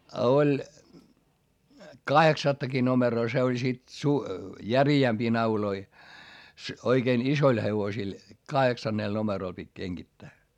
ja oli kahdeksattakin numeroa se oli sitten - järeämpiä nauloja oikein isoille hevosille kahdeksanella numerolla piti kengittää